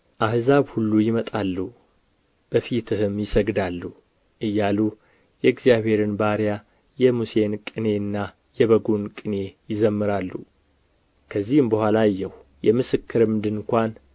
አሕዛብ ሁሉ ይመጣሉ በፊትህም ይሰግዳሉ እያሉ የእግዚአብሔርን ባሪያ የሙሴን ቅኔና የበጉን ቅኔ ይዘምራሉ ከዚህም በኋላ አየሁ የምስክርም ድንኳን